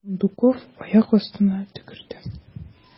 Сундуков аяк астына төкерде.